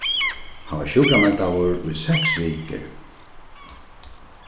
hann varð sjúkrameldaður í seks vikur